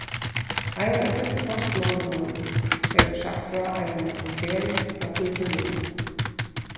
ein av fyrstu postmonnunum hevur sagt frá eini ferð frá tí tíðini